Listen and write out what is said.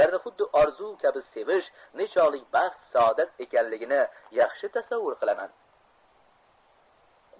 ularni xuddi orzu kabi sevish nechog'lik baxt saodat ekanligini yaxshi tasavvur qilaman